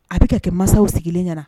A bɛ kɛ kɛ mansaw sigilen ɲɛna